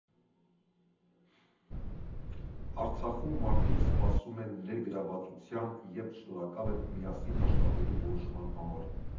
Արցախում մարդիկ սպասում են ներգրավվածության և շնորհակալ են միասին աշխատելու որոշման համար։